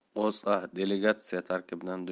o'za delegatsiya tarkibidan